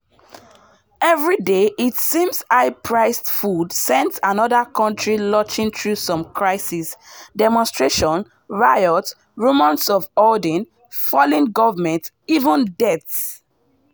Every day, it seems, high-priced food sends another country lurching through some crisis: demonstrations, riots, rumors of hoarding, falling governments, even deaths.